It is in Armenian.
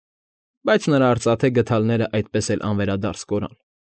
Բայց նրա արծաթե գդալներն այդպես էլ անվերադարձ կորան։